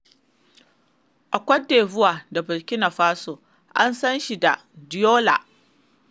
A Cote d'Ivoire da Burkina Faso an san shi da Dioula.